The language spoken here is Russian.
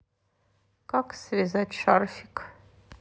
как вязать шарфик